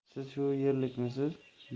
siz shu yerlikmisiz